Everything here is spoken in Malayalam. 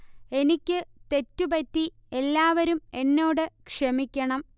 എനിക്ക് തെറ്റു പറ്റി എല്ലാവരും എന്നോട് ക്ഷമിക്കണം